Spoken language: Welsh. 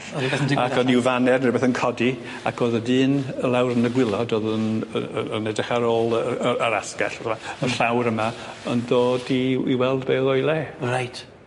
O'dd rwbeth yn digwydd... Ac o'dd ryw faner ne' rwbeth yn codi ac o'dd y dyn lawr yn y gwilod o'dd yn yy yn edrych ar ôl yy yy yr asgell fatha y llawr yma yn dod i i weld be' oedd o'i le. Reit.